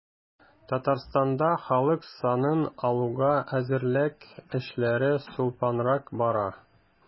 Татарстанда халык санын алуга әзерлек эшләре сүлпәнрәк бара.